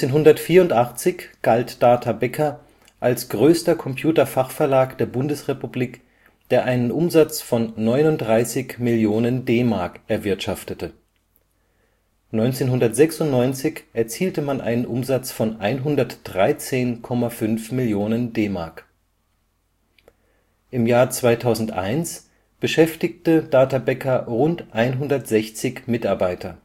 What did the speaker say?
1984 galt Data Becker als größter Computerfachverlag der Bundesrepublik, der einen Umsatz von 39 Millionen D-Mark erwirtschaftete. 1996 erzielte man einen Umsatz von 113,5 Millionen DM. 2001 beschäftigte Data Becker rund 160 Mitarbeiter